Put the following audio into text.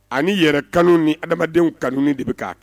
Ani yɛrɛ kanu ni adamadamadenw kauni de bɛ kan